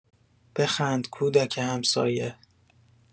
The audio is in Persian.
بخند کودک همسایه